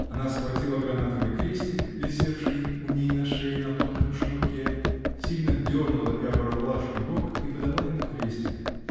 Она схватила гранатовый крестик, висевший у ней на шее на тонком шнурке, сильно дернула и оборвала шнурок -- и подала ему крестик.